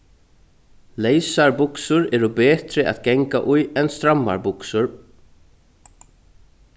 leysar buksur eru betri at ganga í enn strammar buksur